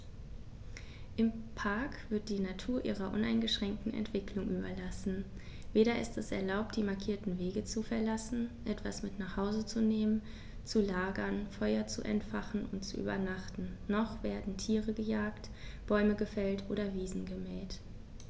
Im Park wird die Natur ihrer uneingeschränkten Entwicklung überlassen; weder ist es erlaubt, die markierten Wege zu verlassen, etwas mit nach Hause zu nehmen, zu lagern, Feuer zu entfachen und zu übernachten, noch werden Tiere gejagt, Bäume gefällt oder Wiesen gemäht.